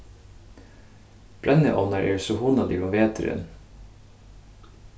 brenniovnar eru so hugnaligir um veturin